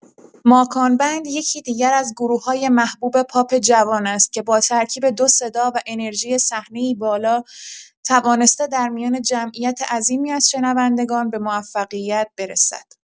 ماکان بند یکی دیگر از گروه‌های محبوب پاپ جوان است که با ترکیب دو صدا و انرژی صحنه‌ای بالا، توانسته در میان جمعیت عظیمی از شنوندگان به موفقیت برسد.